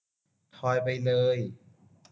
ทอยไปเลย